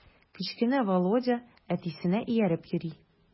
Кечкенә Володя әтисенә ияреп йөри.